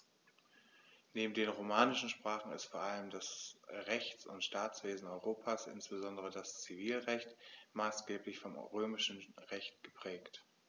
Neben den romanischen Sprachen ist vor allem das Rechts- und Staatswesen Europas, insbesondere das Zivilrecht, maßgeblich vom Römischen Recht geprägt.